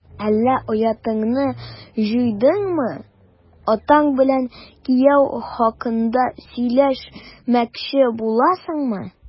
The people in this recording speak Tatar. Әллә оятыңны җуйдыңмы, атаң белән кияү хакында сөйләшмәкче буласыңмы? ..